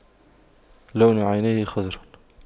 لون عينيه خضر